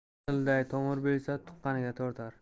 qilday tomir bo'lsa tuqqaniga tortar